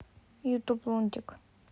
ютуб лунтик